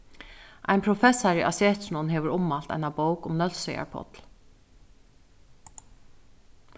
ein professari á setrinum hevur ummælt eina bók um nólsoyar páll